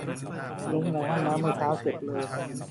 ล้มในห้องน้ำเมื่อเช้าเจ็บเลย